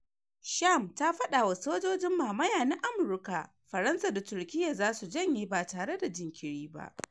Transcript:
Sham ta fada wa ‘sojojin mamaya’ na Amurka, Faransa da Turkiya zasu janye ba tare da jinkiri ba